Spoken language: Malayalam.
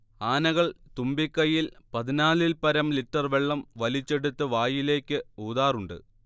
ആനകൾ തുമ്പിക്കൈയിൽ പതിനാലിൽപ്പരം ലിറ്റർ വെള്ളം വലിച്ചെടുത്ത് വായിലേക്ക് ഊതാറുണ്ട്